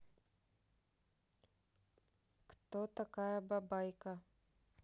кто такая бабайка